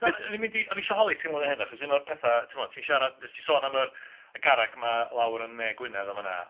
O'n i'n mynd i... O'n ni isho holi ti am hwnna heno, achos un o'r pethau, ti'mo, ti'n siarad... Wnes 'di sôn am y garreg yma lawr yn Ne Gwynedd, yn fan'na.